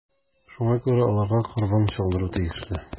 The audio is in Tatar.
Шуңа күрә аларга корбан чалдыру тиешле.